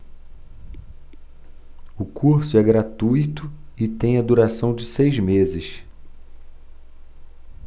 o curso é gratuito e tem a duração de seis meses